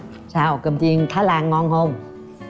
sao cơm chiên thái lan ngon hông